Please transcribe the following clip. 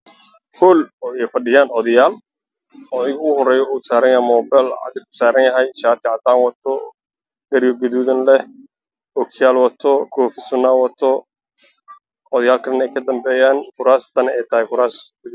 Guul ay fadhiyaan odayaal badan odayga ugu soo horeeyo waxa uu wataa raato cadaana iswaal icon-madow waxa dhabta u saaran taleefankiisa waxaa ka dambeeyay odayaal kale oo badan